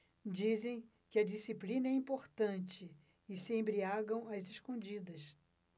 dizem que a disciplina é importante e se embriagam às escondidas